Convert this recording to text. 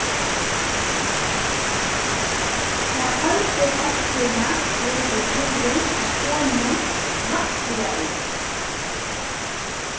ta heitu árstíðina brýtur húðin hjá soninum lættliga út